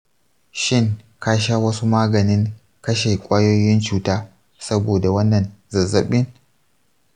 shin ka sha wasu maganin kashe ƙwayoyin cuta saboda wannan zazzabin?